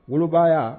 Wolobaa yan